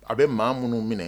A bɛ maa minnu minɛ